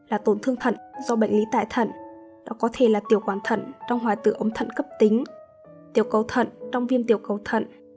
là tổn thương thận do bệnh lý tại thận đó có thể là tiểu quản thận trong hoại tử ống thận cấptính tiểu cầu thận như trong viêm cầu thận